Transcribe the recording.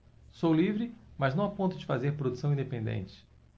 sou livre mas não a ponto de fazer produção independente